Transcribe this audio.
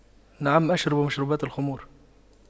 نعم أشرب مشروبات الخمور